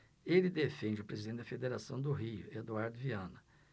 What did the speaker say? ele defende o presidente da federação do rio eduardo viana